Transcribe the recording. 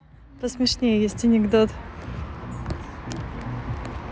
посмешнее есть анекдот